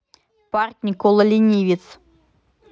парк никола ленивец